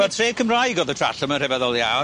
Wel tre Cymraeg o'dd y Trallwm yn rhyfeddol iawn.